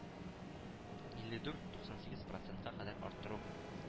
Илле дүрт тә туксан сигез процентка кадәр арттыру